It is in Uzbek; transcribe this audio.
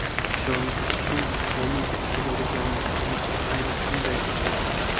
ishonchim komilki aksiyadorlik jamiyatlarini ayni shunday asosda